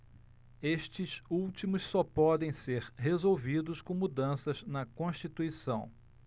estes últimos só podem ser resolvidos com mudanças na constituição